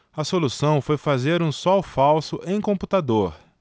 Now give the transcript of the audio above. a solução foi fazer um sol falso em computador